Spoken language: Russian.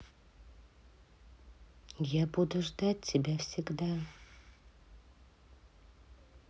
я буду ждать тебя всегда